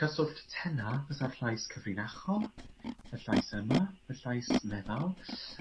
Cyswllt tena fysa'r llais cyfrinachol y llais yma y llais meddal.